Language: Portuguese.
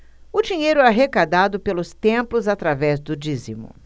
o dinheiro é arrecadado pelos templos através do dízimo